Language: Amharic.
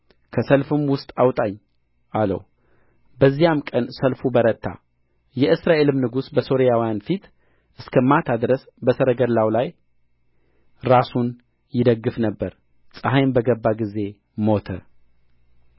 ከሰልፍም ውስጥ አውጣኝ አለው በዚያም ቀን ሰልፍ በረታ የእስራኤልም ንጉሥ በሶሪያውያን ፊት እስከ ማታ ድረስ በሰረገላው ላይ ራሱን ይደግፍ ነበር ፀሐይም በገባ ጊዜ ሞተ